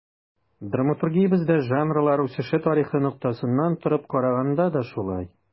Драматургиябездә жанрлар үсеше тарихы ноктасынан торып караганда да шулай.